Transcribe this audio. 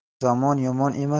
zamon yomon emas